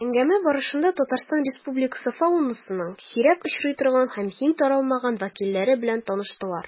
Әңгәмә барышында Татарстан Республикасы фаунасының сирәк очрый торган һәм киң таралмаган вәкилләре белән таныштылар.